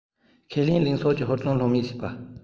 ཁས ལེན གླིང ཕྱོགས ཀྱིས ཧུར བརྩོན ལྷོད མེད བྱེད པ